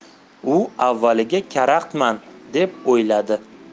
u avvaliga karaxtman deb o'yladi